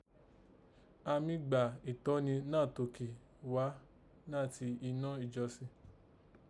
A mí gbà ìtọ́ni nátòkè ghá nàti inọ́ ìjọsìn